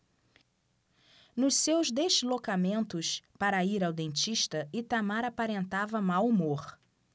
nos seus deslocamentos para ir ao dentista itamar aparentava mau humor